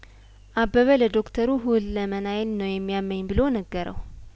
አበበ ለዶክተሩ ሁለመናዬን ነው የሚያመኝ ብሎ ነገረው